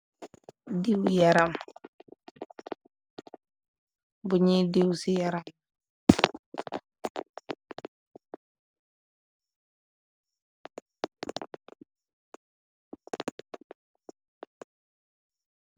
Diiw-yaram buñuy diiw ci yaram.